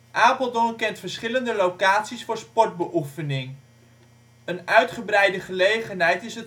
Apeldoorn kent verschillende locaties voor sportbeoefening. Een uitgebreide gelegenheid is